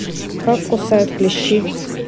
как кусают клещи